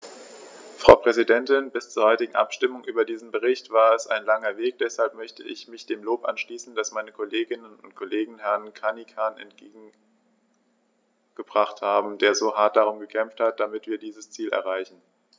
Frau Präsidentin, bis zur heutigen Abstimmung über diesen Bericht war es ein langer Weg, deshalb möchte ich mich dem Lob anschließen, das meine Kolleginnen und Kollegen Herrn Cancian entgegengebracht haben, der so hart darum gekämpft hat, damit wir dieses Ziel erreichen.